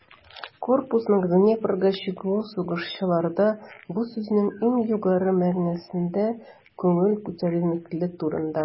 Корпусның Днепрга чыгуы сугышчыларда бу сүзнең иң югары мәгънәсендә күңел күтәренкелеге тудырды.